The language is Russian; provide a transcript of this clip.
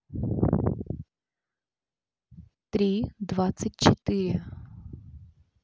три двадцать четыре